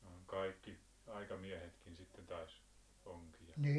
kaikki aikamiehetkin sitten taisi onkia